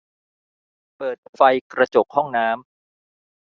เปิดไฟกระจกห้องน้ำ